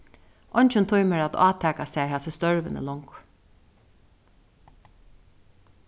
eingin tímir at átaka sær hasi størvini longur